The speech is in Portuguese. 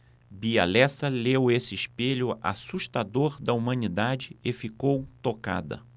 bia lessa leu esse espelho assustador da humanidade e ficou tocada